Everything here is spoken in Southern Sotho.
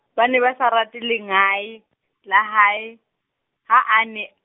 bane ba sa rate lengae, la hae, ha a ne.